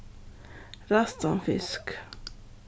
ræstan fisk